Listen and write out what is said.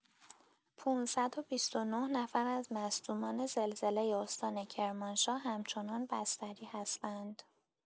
۵۲۹ نفر از مصدومان زلزله استان کرمانشاه همچنان بستری هستند.